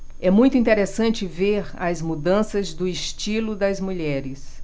é muito interessante ver as mudanças do estilo das mulheres